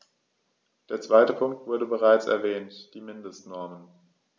Der zweite Punkt wurde bereits erwähnt: die Mindestnormen.